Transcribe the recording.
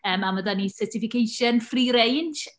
Yym a ma' 'da ni certification free-range.